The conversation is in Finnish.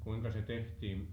kuinka se tehtiin